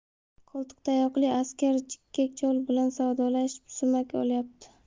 qo'ltiqtayoqli askar jikkak chol bilan savdolashib sumak olyapti